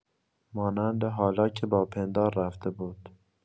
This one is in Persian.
مانند حالا که با پندار رفته بود.